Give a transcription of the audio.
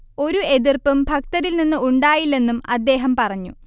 ഒരു എതിർപ്പും ഭക്തരിൽനിന്ന് ഉണ്ടായില്ലെന്നും അദ്ദേഹം പറഞ്ഞു